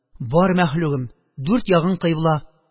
– бар, мәхлугым, дүрт ягың кыйбла